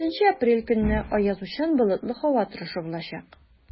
4 апрель көнне аязучан болытлы һава торышы булачак.